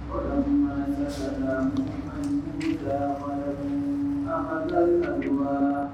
Faama wagɛnin wagɛnin yo